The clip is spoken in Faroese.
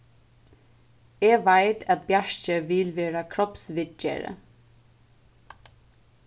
eg veit at bjarki vil verða kropsviðgeri